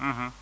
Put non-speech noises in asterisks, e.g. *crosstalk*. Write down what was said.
*hesitation* *hesitation*